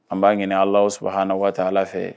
An b'a ɲini ala saba hauna waati ala fɛ